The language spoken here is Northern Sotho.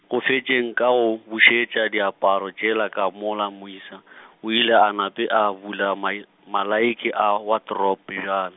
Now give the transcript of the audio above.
go fetšeng ka go bušetša diaparo tšela ka mola moisa , o ile a nape a bula mai-, malaiki a watropo bjalo.